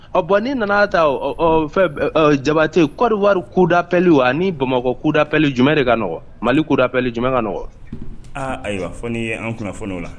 Ɔ bɔn ne nana taa fɛ jabate koɔriwari kodaɛli ani ni bamakɔ kodapli jumɛn de kaɔgɔn mali kodaɛli jumɛn ka nɔgɔ aaa ayiwa fɔ ye an kunna fɔ oo la